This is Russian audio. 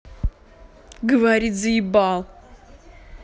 говорит заебал